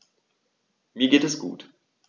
Mir geht es gut.